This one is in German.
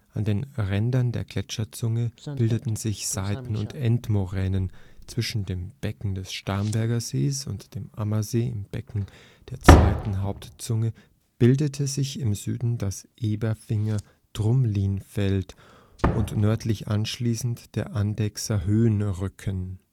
An den Rändern der Gletscherzunge bildeten sich Seiten - und Endmoränen, zwischen dem Becken des Starnberger Sees und dem Ammersee im Becken der zweiten Hauptzunge bildete sich im Süden das Eberfinger Drumlinfeld und nördlich anschließend der Andechser Höhenrücken